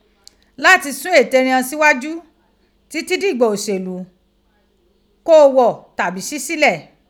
Lati sun ete righan sighaju titi di igba oselu ko o gho tabi si sile.